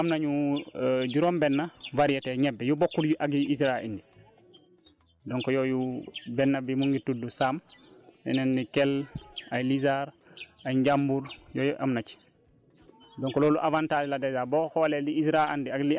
léegi boo xoolee ci programme ANCAR bi ñun tamit am nañu juróom-benn variétés ñëbe yu bokkul ak yi ISRA indi donc yooyu benn bi mu ngi tudd saam beneen bi kel ay lizar ay njàmbur yooyu yëpp am na ci